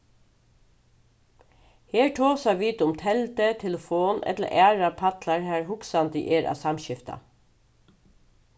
her tosa vit um teldu telefon ella aðrar pallar har hugsandi er at samskifta